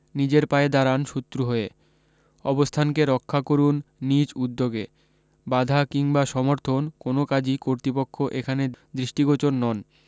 নিজের পায়ে দাড়ান শত্রু হয়ে অবস্থানকে রক্ষা করুণ নিজ উদ্যোগে বাধা কিংবা সমর্থন কোন কাজই কর্তৃপক্ষ এখানে দৃষ্টিগোচর নন